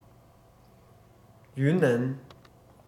ཡུན ནན